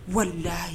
Walelayi